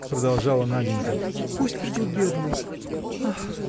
– продолжала Наденька, – пусть придут бедные. Ах!